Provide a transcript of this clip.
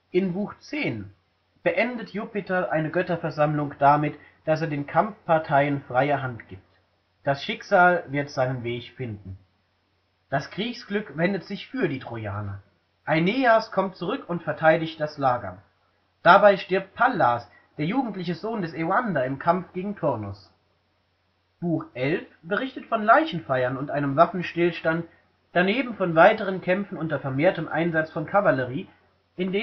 In Buch 10 beendet Jupiter eine Götterversammlung damit, dass er den Kampfparteien freie Hand gibt: Das Schicksal wird seinen Weg finden. Das Kriegsglück wendet sich für die Trojaner: Aeneas kommt zurück und verteidigt das Lager. Dabei stirbt Pallas, der jugendliche Sohn des Euander, im Kampf gegen Turnus. Buch 11 berichtet von Leichenfeiern und einem Waffenstillstand, daneben von weiteren Kämpfen unter vermehrtem Einsatz von Kavallerie, in